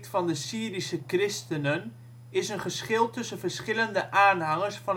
van de Syrische christenen is een geschil tussen verschillende aanhangers van het Syrisch christendom en sprekers